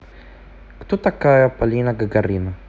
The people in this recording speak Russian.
кто такая полина гагарина